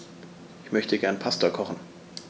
Ich möchte gerne Pasta kochen.